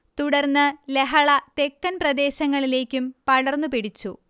തുടർന്ന് ലഹള തെക്കൻ പ്രദേശങ്ങളിലേക്കും പടർന്നു പിടിച്ചു